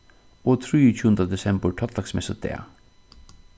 og trýogtjúgunda desembur tollaksmessudag